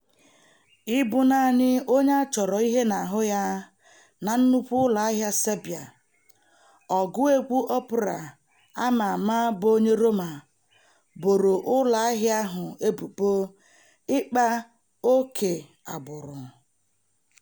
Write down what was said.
Ịbụ naanị onye a chọrọ ihe n'ahụ ya na nnukwu ụlọ ahịa Serbia, ọgụ egwu opera a ma ama bụ onye Roma boro ụlọ ahịa ahụ ebubo ịkpa ókè agbụrụ